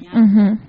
Unhɔn